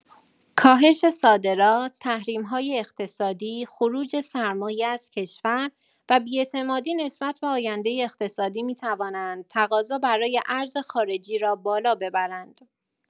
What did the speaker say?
کاهش صادرات، تحریم‌های اقتصادی، خروج سرمایه از کشور، و بی‌اعتمادی نسبت به آینده اقتصادی می‌توانند تقاضا برای ارز خارجی را بالا ببرند.